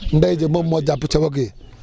ndey ja moom moo jàpp ca wagg yi